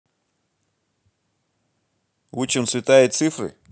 учим цвета и цифры